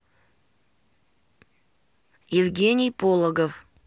евгений пологов